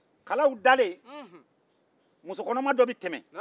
kalaw dalen muso kɔnɔnma dɔ bɛ tɛmɛ